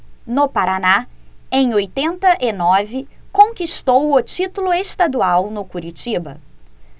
no paraná em oitenta e nove conquistou o título estadual no curitiba